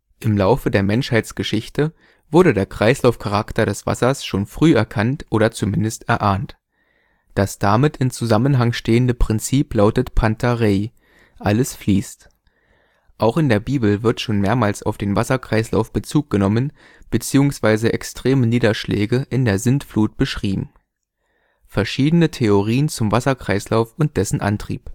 Laufe der Menschheitsgeschichte wurde der Kreislaufcharakter des Wassers schon früh erkannt oder zumindest erahnt. Das damit in Zusammenhang stehende Prinzip lautet „ panta rhei “- alles fließt. Auch in der Bibel wird schon mehrmals auf den Wasserkreislauf Bezug genommen bzw. extreme Niederschläge in der Sintflut beschrieben. Verschiedene Theorien zum Wasserkreislauf und dessen Antrieb